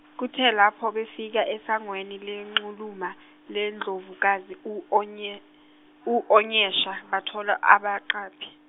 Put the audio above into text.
kuthe lapho befika esangweni lenxuluma lendlovukazi u Onye- u Onyesha bathola abaqaphi.